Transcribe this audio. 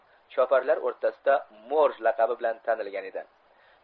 choparlar o'rtasida morj laqabi bilan tanilgan edi